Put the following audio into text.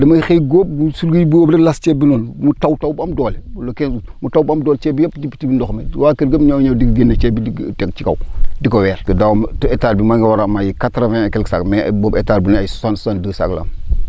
damay xëy góob bu sulli * ceeb bi noonu mu taw taw bu am doole taw bu am doole ceeb bi yëpp dugg ci biir ndox mi waa kër gi yëpp ñoo ñëw di génne ceeb bi di teg ci kaw di ko weer te daaw ma te hectare bi maa ngi war a am ay quatre vingt et quelques sacs mais boobu hectare bu ne ay soixante cinq de sacs la am